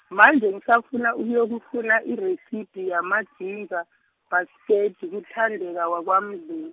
manje ngisafuna ukuyokufuna iresiphi yamajinja bhasketi, kuThandeka waKwaMdluli.